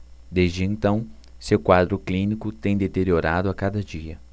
desde então seu quadro clínico tem deteriorado a cada dia